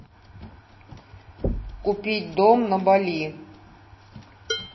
купить дом на бали